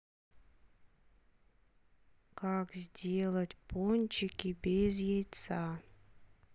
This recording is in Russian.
как сделать пончики без яйца